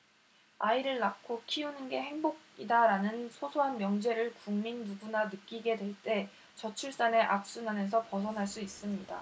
아이를 낳고 키우는 게 행복이다라는 소소한 명제를 국민 누구나 느끼게 될 때 저출산의 악순환에서 벗어날 수 있습니다